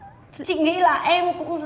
chị nghĩ là em cũng